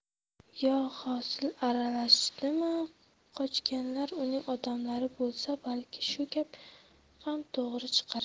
yo hosil aralashdimi qochganlar uning odamlari bo'lsa balki shu gap ham to'g'ri chiqar